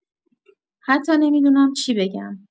حتی نمی‌دونم چی بگم.